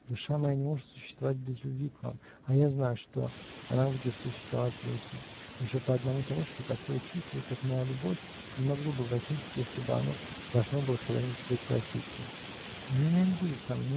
Душа моя не может существовать без любви к вам: а я знаю, что она будет существовать вечно, уже по одному тому, что такое чувство, как моя любовь, не могло бы возникнуть, если бы оно должно было когда-нибудь прекратиться. Меня не будет с вами